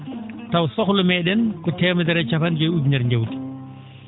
taw sohla mee?en ko teemedere e cappan?e joyi ujunere njawdi